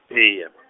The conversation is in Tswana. e ya .